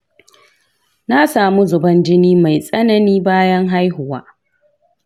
na samu zuban jini mai tsanani bayan haihuwa.